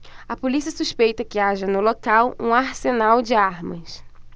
a polícia suspeita que haja no local um arsenal de armas